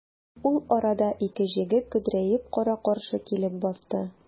Ул арада ике җегет көдрәеп кара-каршы килеп басты.